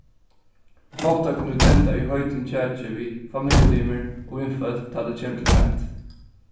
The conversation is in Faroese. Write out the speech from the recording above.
ofta kunnu vit enda í heitum kjaki við familjulimir og vinfólk tá tað kemur til mat